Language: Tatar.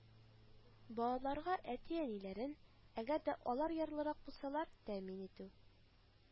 Балаларга әти-әниләрен, әгәр дә алар ярлылыкта булсалар, тәэмин итү